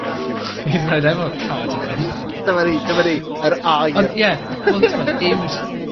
Hyd yn oed efo cardamom. Dyma ni dyma ni. Yr aur. Ond ie, wel t'mod uwd